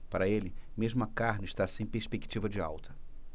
para ele mesmo a carne está sem perspectiva de alta